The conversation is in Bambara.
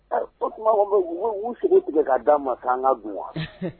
O tuma u'u sogo tigɛ ka d'a ma k' an ka dun wa